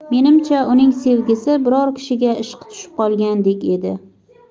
menimcha uning sevgisi biror kishiga ishqi tushib qolgandek edi